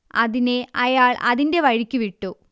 അതിനെ അയാൾ അതിന്റെ വഴിക്ക് വിട്ടു